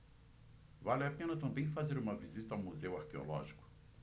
vale a pena também fazer uma visita ao museu arqueológico